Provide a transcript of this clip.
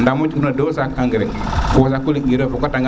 yam deux sacs engrais fo o saku leng ire o foko ta ngaan